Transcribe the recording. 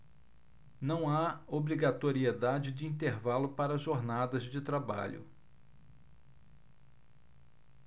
não há obrigatoriedade de intervalo para jornadas de trabalho